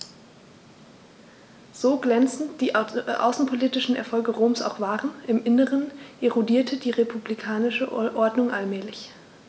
So glänzend die außenpolitischen Erfolge Roms auch waren: Im Inneren erodierte die republikanische Ordnung allmählich.